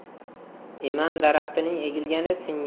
eman daraxtining egilgani singani